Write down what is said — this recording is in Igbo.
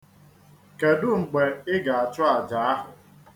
Kedu mgbe Ị ga-achụ aja ahụ?